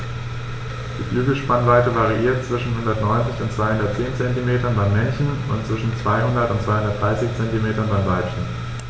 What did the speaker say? Die Flügelspannweite variiert zwischen 190 und 210 cm beim Männchen und zwischen 200 und 230 cm beim Weibchen.